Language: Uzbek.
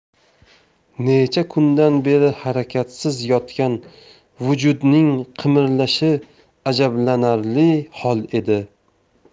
necha kundan beri harakatsiz yotgan vujudning qimirlashi ajablanarli hol edi